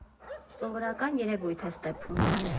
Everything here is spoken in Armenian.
Սովորական երևույթ է Ստեփում։